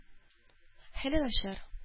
Хәле начар